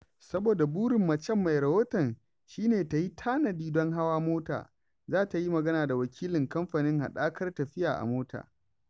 Saboda burin macen mai rahoton shi ne ta yi tanadi don hawa mota, za ta yi magana da wakilin kamfanin haɗakar tafiya a mota